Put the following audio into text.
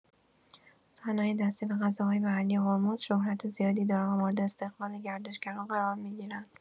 صنایع‌دستی و غذاهای محلی هرمز شهرت زیادی دارند و مورد استقبال گردشگران قرار می‌گیرند.